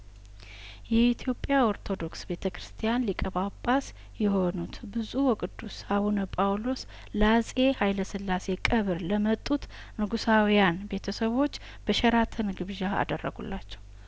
የኢትዮጵያ ኦርቶዶክስ ቤተ ክርስቲያን ሊቀ ጳጳስ የሆኑት ብጹእ ወቅዱስ አቡነ ጳውሎስ ለአጼ ሀይለስላሴ ቀብር ለመጡት ንጉሳውያን ቤተሰቦች በሸራተን ግብዣ አደረጉላቸው